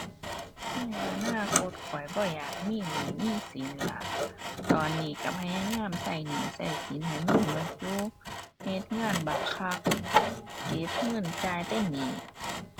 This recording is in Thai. ในอนาคต ข้อยบ่อยากมีหนี้มีสินล่ะ ตอนนี้ก็พยายามก็หนี้ก็สินให้มันก็อยู่ เฮ็ดงานบักคัก เก็บเงินจ่ายแต่หนี้